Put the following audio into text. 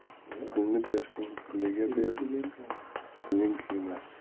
pulni bersang pulliga ber puling kuymas